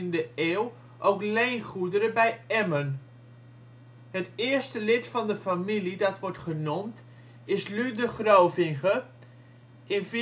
de 16e en 17e eeuw ook leengoederen bij Emmen. Het eerste lid van de familie dat wordt genoemd is Luder Grovinghe in 1446